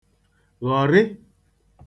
ghọ̀rị